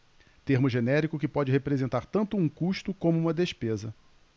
termo genérico que pode representar tanto um custo como uma despesa